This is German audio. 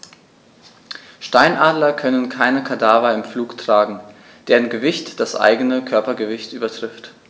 Steinadler können keine Kadaver im Flug tragen, deren Gewicht das eigene Körpergewicht übertrifft.